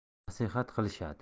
nasihat qilishadi